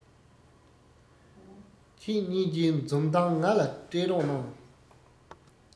ཁྱེད གཉིས ཀྱེད འཛུམ འདངས ང ལ སྤྲད རོགས གནང